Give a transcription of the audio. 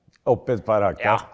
opp et par hakk der.